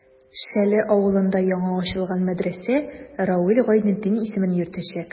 Шәле авылында яңа ачылган мәдрәсә Равил Гайнетдин исемен йөртәчәк.